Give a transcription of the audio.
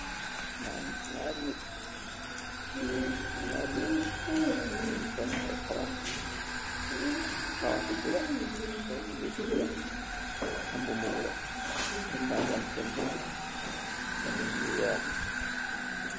Nyarri haleh yuu goor yuu sol lu bulo teh di footbal.